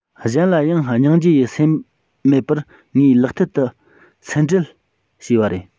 གཞན ལ ཡང སྙིང རྗེ ཡི སེམས མེད པར ངའི ལག མཐིལ དུ སེན འདྲེད བྱས པ རེད